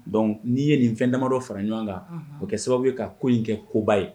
Dɔnku n'i ye nin fɛn damadɔ fara ɲɔgɔn kan o kɛ sababu ye ka ko in kɛ koba ye